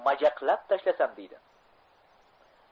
majaqlab tashlasam deydi